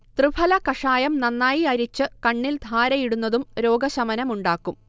തൃഫല കഷായം നന്നായി അരിച്ച് കണ്ണിൽ ധാരയിടുന്നതും രോഗശമനമുണ്ടാക്കും